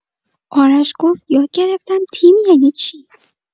آرش گفت یاد گرفتم تیم یعنی چی.